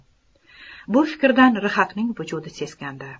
bu fikrdan rhaqning vujudi seskandi